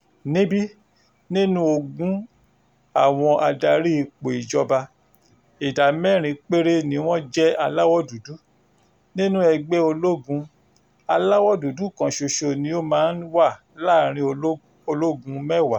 Níbí, nínú ogún àwọn adarí ipò ìjọba, ìdá mẹ́rin péré ni wọ́n jẹ́ aláwọ̀ dúdú. Nínú ẹgbẹ́ ológun, aláwọ̀ dúdú kan ṣoṣo ni ó máa ń wà láàárín ológun mẹ́wàá.